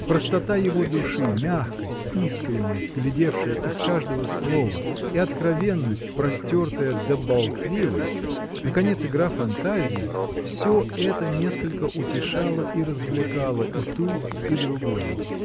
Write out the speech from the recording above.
Простота его души, мягкость, искренность, глядевшая из каждого слова, и откровенность, простертая до болтливости, наконец, игра фантазии — всё это несколько утешало и развлекало и ту, и другую.